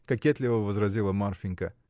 — кокетливо возразила Марфинька.